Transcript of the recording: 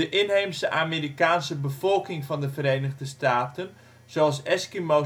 inheemse Amerikaanse bevolking van de Verenigde Staten, zoals eskimo